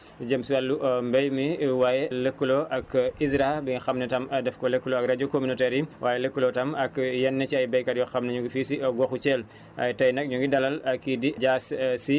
seen émission sunu émission yoo xam dafay waxtaan jëm si wàllu mbéy mi waaye lëkkaloo ak ISRA bi nga xam ne tam daf ko lëkkaloo ak rajo communautaire yi waaye lëkkaloo tam ak yenn si ay béykat yoo xam ne ñu ngi fii si goxu Thiel